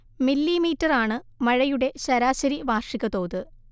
മില്ലീമീറ്ററാണ് മഴയുടെ ശരാശരി വാർഷിക തോത്